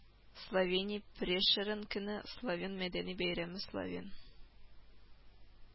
Словения Прешерен көне, словен мәдәни бәйрәме словен